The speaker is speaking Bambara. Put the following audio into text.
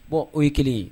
Bon o ye kelen ye